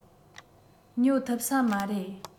ཉོ ཐུབ ས མ རེད